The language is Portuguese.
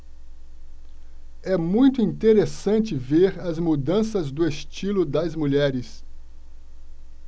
é muito interessante ver as mudanças do estilo das mulheres